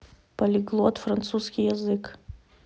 полиглот французский язык